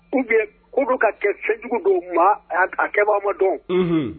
Tun bɛ ku dun ka kɛ sejugu don maa kɛ dɔn